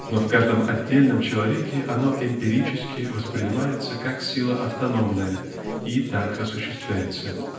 но в каждом отдельном человеке оно эмпирически воспринимается как сила автономная и так осуществляется.